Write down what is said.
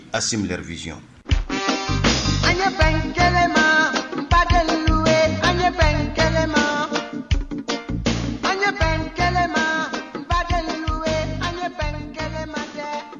Asmeriz an ye fa kelen ba ye an ye fa kelen ma an ye bɛ kelenma ba kelen ye an ye pan kelenma sa